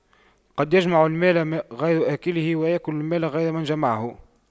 قد يجمع المال غير آكله ويأكل المال غير من جمعه